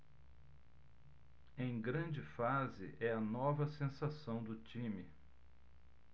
em grande fase é a nova sensação do time